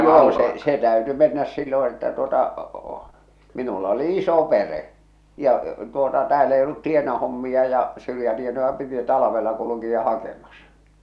no se se täytyi mennä silloin että tuota minulla oli iso perhe ja tuota täällä ei ollut tienahommia ja syrjätienoja piti talvella kulkea hakemassa